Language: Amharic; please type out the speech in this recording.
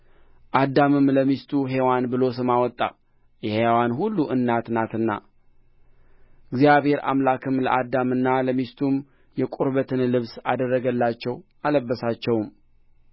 አዳምም ለሚስቱ ሔዋን ብሎ ስም አወጣ የሕያዋን ሁሉ እናት ናትና እግዚአብሔር አምላክም ለአዳምና ለሚስቱ የቁርበትን ልብስ አደረገላቸው አለበሳቸውም